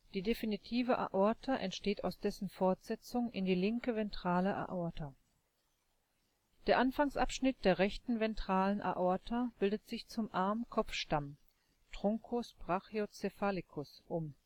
die definitive Aorta entsteht aus dessen Fortsetzung in die linke ventrale Aorta. Der Anfangsabschnitt der rechten ventralen Aorta bildet sich zum Arm-Kopf-Stamm (Truncus brachiocephalicus) um